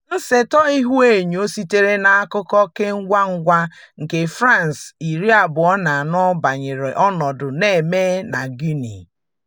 Nsete ihuenyo sitere n'akukọ kengwangwa nke France 24 banyere ọnọdụ na-eme na Guinea.